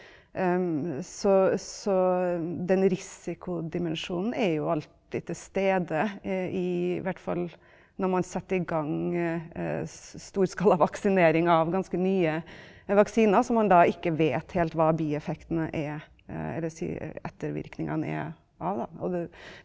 så så den risikodimensjonen er jo alltid tilstede, i hvert fall når man setter i gang storskala vaksinering av ganske nye vaksiner som man da ikke vet helt hva bieffektene er, eller si ettervirkningene er av da og det.